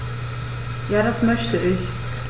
Ja, das möchte ich.